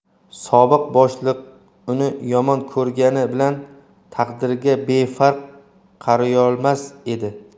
sobiq boshliq uni yomon ko'rgani bilan taqdiriga befarq qarayolmas edi